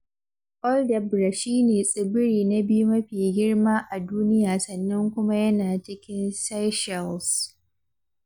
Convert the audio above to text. Aldabra shi ne tsibiri na biyu mafi girma a duniya sannan kuma yana cikin Seychelles.